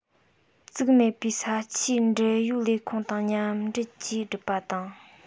བཙུགས མེད པའི ས ཆས འབྲེལ ཡོད ལས ཁུངས དང མཉམ འབྲེལ གྱིས སྒྲུབ པ དང